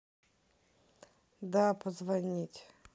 да позвонить